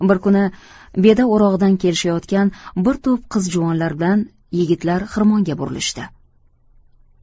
bir kuni beda o'rog'idan kelishayotgan bir to'p qiz juvonlar bilan yigitlar xirmonga burilishdi